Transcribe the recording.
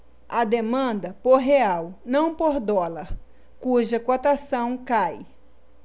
há demanda por real não por dólar cuja cotação cai